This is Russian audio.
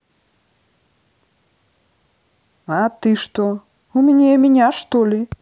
а ты что умнее меня что ли